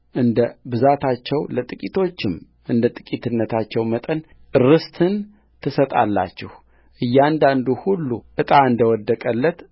እንደ ብዛታቸው ለጥቂቶቹም እንደ ጥቂትነታቸው መጠን ርስትን ትሰጣላችሁ እያዳንዱ ሁሉ ዕጣ እንደ ወደቀለት